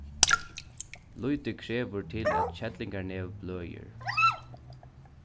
lítið krevur til at kellingarnev bløðir